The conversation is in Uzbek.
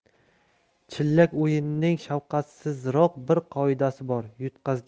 chillak o'yinining shafqatsizroq bir qoidasi bor yutqazgan